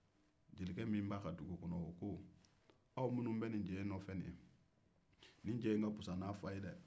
jelikɛ min b'a ka dugu kɔnɔ o ko aw minnu bɛ nin cɛ in nɔ fɛ nin cɛ in ka fisa n'a fa ye dɛ